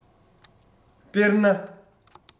དཔེར ན